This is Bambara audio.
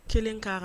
Kelenkara